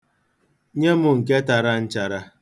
Nye m nke tara nchara.